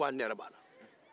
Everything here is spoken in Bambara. i ko hali ne yɛrɛ b'a la